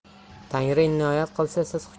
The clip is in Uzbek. tangri inoyat qilsa siz